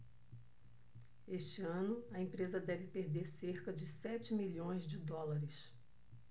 este ano a empresa deve perder cerca de sete milhões de dólares